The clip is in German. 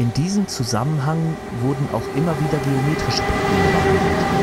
diesem Zusammenhang wurden auch immer wieder geometrische Probleme behandelt